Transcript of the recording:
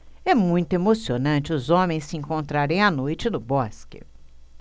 é muito emocionante os homens se encontrarem à noite no bosque